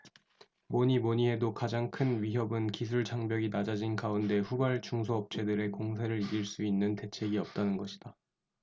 뭐니뭐니해도 가장 큰 위협은 기술장벽이 낮아진 가운데 후발 중소업체들의 공세를 이길 수 있는 대책이 없다는 것이다